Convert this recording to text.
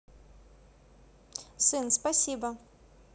сын спасибо